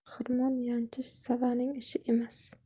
xirmon yanchish sa'vaning ishi emas